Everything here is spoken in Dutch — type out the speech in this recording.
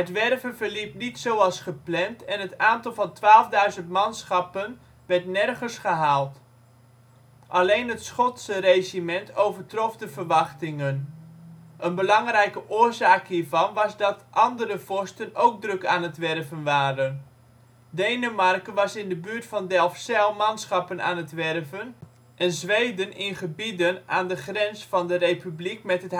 werven verliep niet zoals gepland en het aantal van 12.000 manschappen werd nergens gehaald: alleen het Schotse regiment overtrof de verwachtingen. Een belangrijke oorzaak hiervan was dat andere vorsten ook druk aan het werven waren. Denemarken was in de buurt van Delfzijl manschappen aan het werven en Zweden in gebieden aan de grens van de Republiek met